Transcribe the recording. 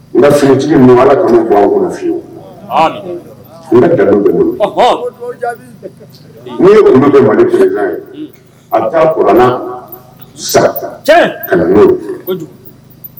Nka sigitigi mama kanu' kɔnɔ fiyewu bɛ bolo n' ye tun bɛ mande ye a taauranna saraka ka n'